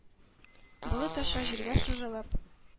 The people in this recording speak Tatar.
Болыт аша җиргә сузылып,